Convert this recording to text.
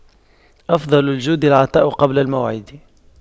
أفضل الجود العطاء قبل الموعد